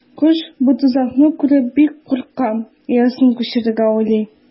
Кош бу тозакны күреп бик курка, оясын күчерергә уйлый.